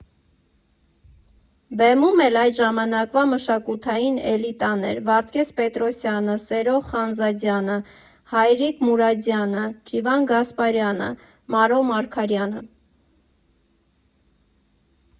Բեմում էլ այդ ժամանակվա մշակութային էլիտան էր՝ Վարդգես Պետրոսյանը, Սերո Խանզադյանը, Հայրիկ Մուրադյանը, Ջիվան Գասպարյանը, Մարո Մարգարյանը։